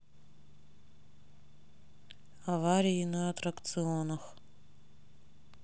аварии на аттракционах